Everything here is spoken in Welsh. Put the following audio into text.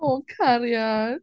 O, cariad.